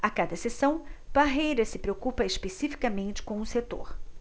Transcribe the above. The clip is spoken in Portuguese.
a cada sessão parreira se preocupa especificamente com um setor